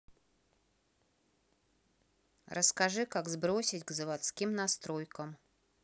расскажи как сбросить к заводским настройкам